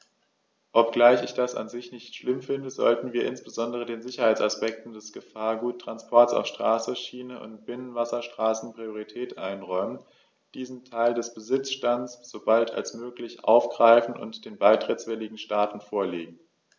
Obgleich ich das an sich nicht schlimm finde, sollten wir insbesondere den Sicherheitsaspekten des Gefahrguttransports auf Straße, Schiene und Binnenwasserstraßen Priorität einräumen, diesen Teil des Besitzstands so bald als möglich aufgreifen und den beitrittswilligen Staaten vorlegen.